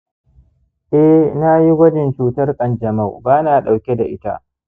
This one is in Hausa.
eh nayi gwajin cutar kanjamau bana ɗauke da ita